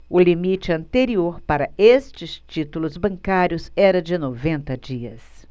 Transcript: o limite anterior para estes títulos bancários era de noventa dias